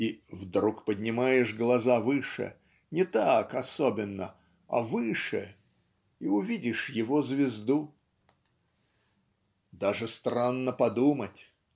и "вдруг поднимаешь глаза выше не так особенно а выше и увидишь его звезду". "Даже странно подумать